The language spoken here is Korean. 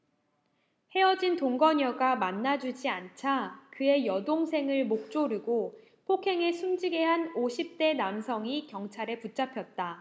헤어진 동거녀가 만나주지 않자 그의 여동생을 목 조르고 폭행해 숨지게 한 오십 대 남성이 경찰에 붙잡혔다